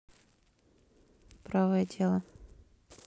правое дело